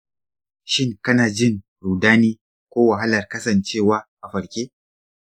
shin kana jin rudani ko wahalar kasancewa a farke?